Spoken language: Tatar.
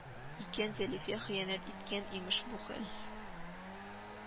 Икән, зәлифә хыянәт иткән, имеш, бу хәл